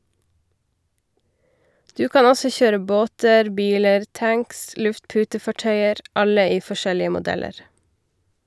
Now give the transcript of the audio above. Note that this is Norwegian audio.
Du kan også kjøre båter, biler, tanks, luftputefartøyer, alle i forskjellige modeller.